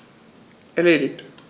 Erledigt.